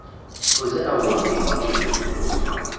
tôi rất đau buồn vì mọi chuyện không thể ổn thỏa